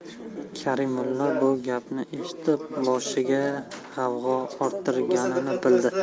karimulla bu gapni eshitib boshiga g'avg'o orttirganini bildi